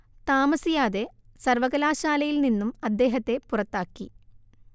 താമസിയാതെ സർവ്വകലാശാലയിൽ നിന്നും അദ്ദേഹത്തെ പുറത്താക്കി